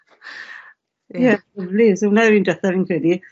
Ie, lyfli, so wnna yw'r un dwetha fi'n credu.